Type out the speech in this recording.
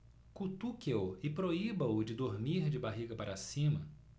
cutuque-o e proíba-o de dormir de barriga para cima